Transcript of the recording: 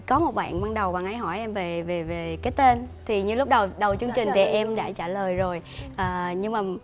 có một bạn ban đầu bạn ấy hỏi em về về về cái tên thì như lúc đầu đầu chương trình thì em đã trả lời rồi à nhưng mà